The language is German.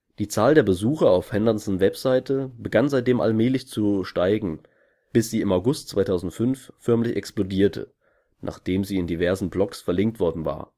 Die Zahl der Besuche auf Hendersons Website begann seitdem allmählich zu steigen, bis sie im August 2005 förmlich explodierte, nachdem sie in diversen Blogs verlinkt worden war